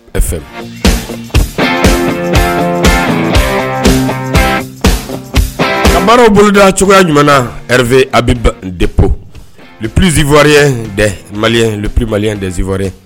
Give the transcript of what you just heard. fm a baaraw boloda cogoya ɲuman na, Ɛrive Abibu dépôt, le plus ivoirien des maliens, le plus malien des ivoiriens